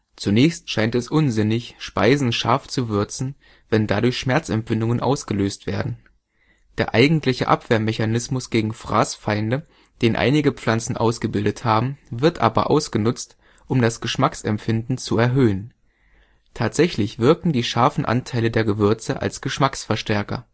Zunächst scheint es unsinnig, Speisen scharf zu würzen, wenn dadurch Schmerzempfindungen ausgelöst werden. Der eigentliche Abwehrmechanismus gegen Fraßfeinde, den einige Pflanzen ausgebildet haben, wird aber ausgenutzt, um das Geschmacksempfinden zu erhöhen. Tatsächlich wirken die scharfen Anteile der Gewürze als Geschmacksverstärker